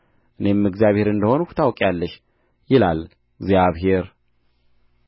እኔም እግዚአብሔር እንደ ሆንሁ ታውቂያለሽ ይላል ጌታ እግዚአብሔር